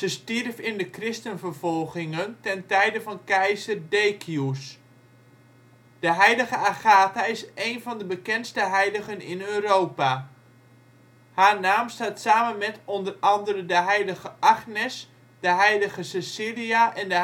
stierf in de christenvervolgingen ten tijde van keizer Decius. De heilige Agatha is één van de bekendste heiligen in Europa; haar naam staat samen met, onder anderen, de heilige Agnes, de heilige Cecilia en de